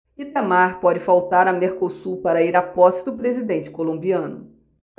itamar pode faltar a mercosul para ir à posse do presidente colombiano